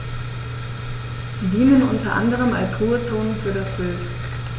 Sie dienen unter anderem als Ruhezonen für das Wild.